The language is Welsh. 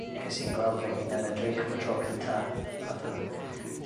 ges i'n gweld fy hun yn y drych am y tro cynta. Fath o